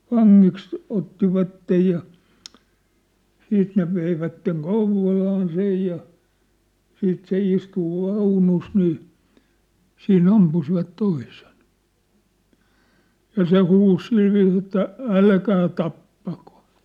vangiksi ottivat ja sitten ne veivät Kouvolaan sen ja sitten se istui vaunussa niin siinä ampuivat toisen ja se huusi sillä viisiin että älkää tappako